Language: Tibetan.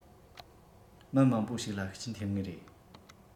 མི མང པོ ཞིག ལ ཤུགས རྐྱེན ཐེབས ངེས རེད